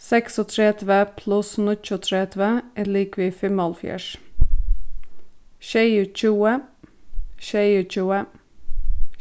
seksogtretivu pluss níggjuogtretivu er ligvið fimmoghálvfjerðs sjeyogtjúgu sjeyogtjúgu